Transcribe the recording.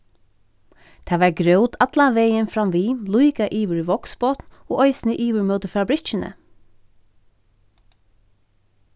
tað var grót allan vegin framvið líka yvir í vágsbotn og eisini yvir móti fabrikkini